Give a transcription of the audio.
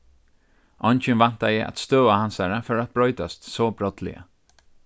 eingin væntaði at støða hansara fór at broytast so brádliga